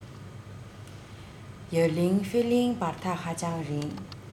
ཡ གླིང ཧྥེ གླིང བར ཐག ཧ ཅང རིང